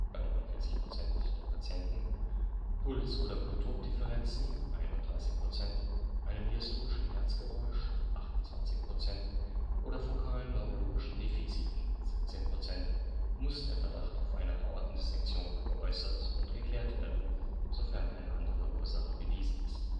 49 % der Patienten mit Aortendissektion), Puls - oder Blutdruckdifferenzen (31 %), einem diastolischen Herzgeräusch (28 %) oder fokalen neurologischen Defiziten (17 %) muss der Verdacht auf eine Aortendissektion geäußert und geklärt werden, sofern keine andere Ursache bewiesen ist